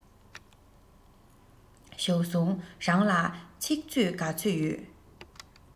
ཞའོ སུའུ རང ལ ཚིག མཛོད ག ཚོད ཡོད